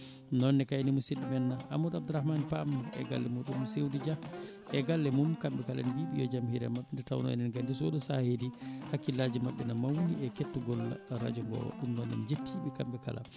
noone kayne musidɗo men Amadou Abdourahmane Pam e galle muɗum Seydou Dia e galle mum kamɓe kala en mbi yo jaam hiire mabɓe nde tawno eɗen gandi so oɗo saaha heedi hakkillaji mabɓe ene mawni e kettogol radio ngo ɗum noon en jettiɓe kamɓe kala